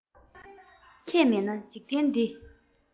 ཁྱེད མེད ན འཇིག རྟེན འདི